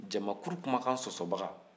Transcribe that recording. jamakuru kumakan sɔsɔbaga